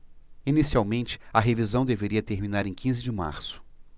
inicialmente a revisão deveria terminar em quinze de março